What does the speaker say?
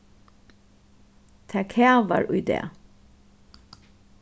tað kavar í dag